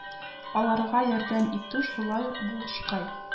Аларга ярдәм итү шулай ук булушкай